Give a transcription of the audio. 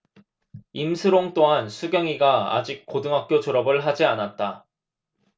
임슬옹 또한 수경이가 아직 고등학교 졸업을 하지 않았다